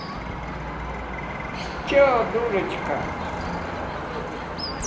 че дурочка